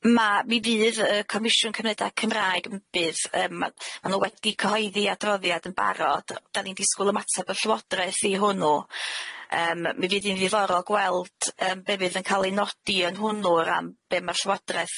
Ma' mi fydd yy Comisiywn Cymryda Cymraeg yn bydd yym ma' ma' n'w wedi cyhoeddi adroddiad yn barod dan ni'n disgwl ymateb y Llywodraeth i hwnnw yym mi fydd i'n ddiddorol gweld yym be' fydd yn ca'l ei nodi yn hwnnw o ran be' ma'r Llywodraeth